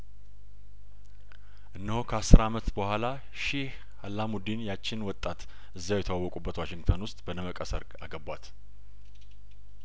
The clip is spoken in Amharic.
እነሆ ከአስር አመት በኋላ ሺህ አላሙዲን ያቺን ወጣት እዚያው የተዋወቁ በት ዋሽንግተን ውስጥ በደመቀ ሰርግ አገቧት